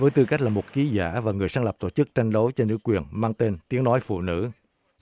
với tư cách là một ký giả và người sáng lập tổ chức trận đấu cho nữ quyền mang tên tiếng nói phụ nữ